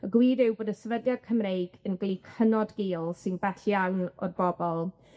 Y gwir yw bod y sefydliad Cymreig hynod gul sy'n bell iawn o'r bobol,